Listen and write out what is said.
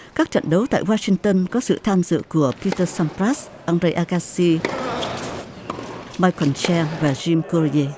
các trận đấu tại goa sinh tơn có sự tham dự cửa pi tơ săm poát ăng gây a ca si mai cừn chen và gim cô dê